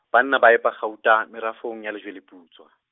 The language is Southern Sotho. banna ba epa kgauta, merafong ya Lejweleputswa.